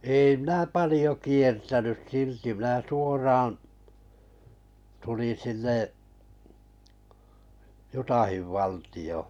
ei minä paljon kiertänyt silti minä suoraan tulin sinne Utahin valtioon